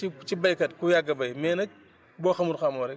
ci ci béykat ku yàgg a béy mais nag boo xamul xamoo rek